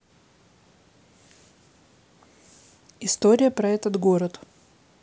история про этот город